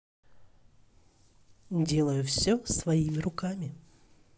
делаю все своими руками